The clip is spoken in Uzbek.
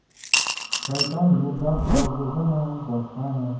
shayton yo'ldan ozdirdimi boshqami